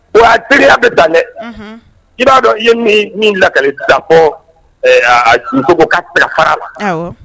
Bon teririya bɛ dan dɛ i b'a dɔn ye min lakali dabɔ kogo ka fara la